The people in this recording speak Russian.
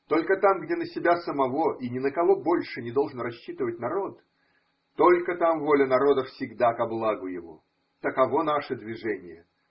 Только там, где на себя самого и ни на кого больше не должен рассчитывать народ,-только там воля народа всегда ко благу его. Таково наше движение.